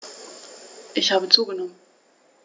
Ich habe zugenommen.